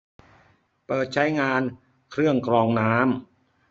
เปิดใช้งานเครื่องกรองน้ำ